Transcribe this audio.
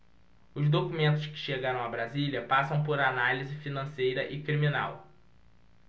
os documentos que chegaram a brasília passam por análise financeira e criminal